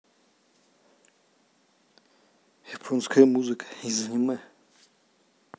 японская музыка из аниме